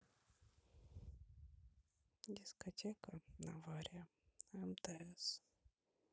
дискотека авария мтс